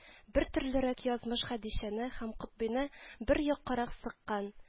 Бертөрлерәк язмыш Хәдичәне һәм Котбыйны бер яккарак сыккан